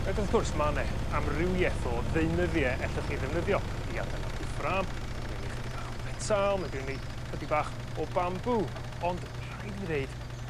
Ag wrth gwrs ma' 'ne amrywieth o ddeunyddie ellwch chi ddefnyddio i adeiladu ffrâm ma' gynon ni chydig bach o fetal ma' gynon ni chydig bach o bambŵ ond rhaid i fi ddeud